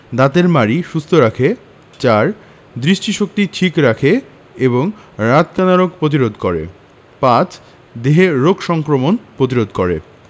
দাঁতের মাড়ি সুস্থ রাখে ৪. দৃষ্টিশক্তি ঠিক রাখে এবং রাতকানা রোগ প্রতিরোধ করে ৫. দেহে রোগ সংক্রমণ প্রতিরোধ করে